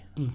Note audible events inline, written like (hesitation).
(hesitation)